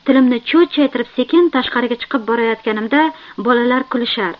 tilimni cho'chchaytirib sekin tashqariga chiqib borayotganimda bolalar kulishar